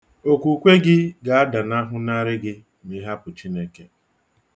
Okwukwe gị ga-adahụnarị gi ma ị hapụ Chineke.